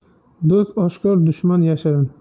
do'st oshkor dushman yashirin